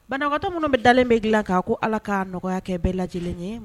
Bantɔ minnu bɛ dalen bɛ dilan k' ko ala ka nɔgɔya kɛ bɛɛ lajɛlen ye